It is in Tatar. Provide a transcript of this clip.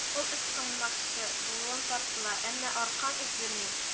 Ул ычкынмакчы булып тартыла, әмма аркан өзелми